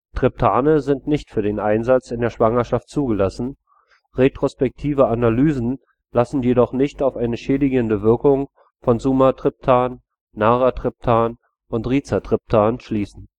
Triptane sind nicht für den Einsatz in der Schwangerschaft zugelassen, retrospektive Analysen lassen jedoch nicht auf eine schädigende Wirkung von Sumatriptan, Naratriptan und Rizatriptan schließen